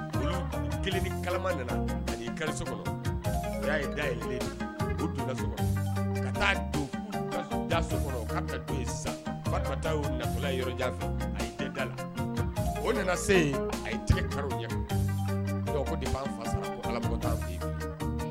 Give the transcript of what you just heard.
Kelen ni kala nana kariso kɔnɔ o y'a ye da kɔnɔ sa faulafɛ da la o nana se a ye tigɛ kari ɲɛ de